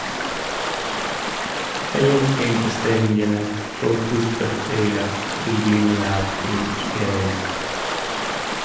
Heller ikke investeringene på Husbergøya vil bli noe av, tror Skøelv.